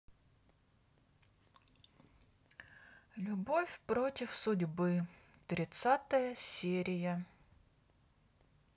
любовь против судьбы тридцатая серия